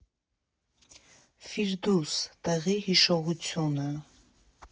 «Ֆիրդուս. տեղի հիշողությունը»